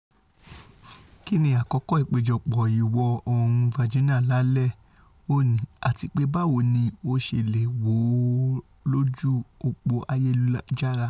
Kínni àkókò ìpéjọpọ̀ Ìwọ-oòrùn Virginia lálẹ́ òní àtipé báwo ni o ṣe leè wò ó lójú-òpó ayelujara?